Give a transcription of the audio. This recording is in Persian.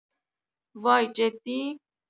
وای جدی